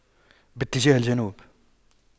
باتجاه الجنوب